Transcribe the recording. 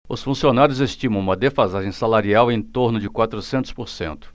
os funcionários estimam uma defasagem salarial em torno de quatrocentos por cento